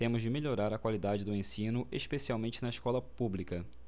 temos de melhorar a qualidade do ensino especialmente na escola pública